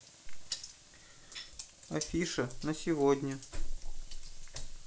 афиша на сегодня